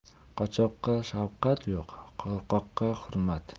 qochoqqa shafqat yo'q qo'rqoqqa hurmat